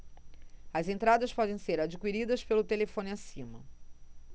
as entradas podem ser adquiridas pelo telefone acima